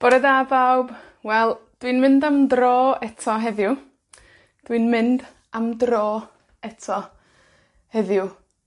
Bore da bawb. Wel, dwi'n mynd am dro eto heddiw. Dwi'n mynd am dro eto heddiw.